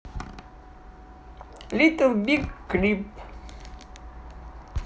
little big клип